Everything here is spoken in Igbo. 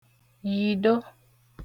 yị̀do